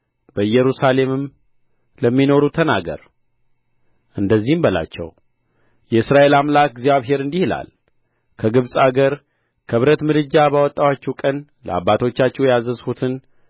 በኢየሩሳሌምም ለሚኖሩ ተናገር እንደዚህም በላቸው የእስራኤል አምላክ እግዚአብሔር እንዲህ ይላል ከግብጽ አገር ከብረት ምድጃ ባወጣኋቸው ቀን ለአባቶቻችሁ ያዘዝሁትን